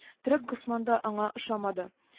Төрек Госман да аңа ошамады;